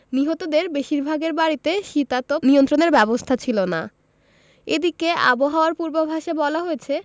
নিহতদের বেশিরভাগের বাড়িতে শীতাতপ নিয়ন্ত্রণের ব্যবস্থা ছিল না এদিকে আবহাওয়ার পূর্বাভাসে বলা হয়েছে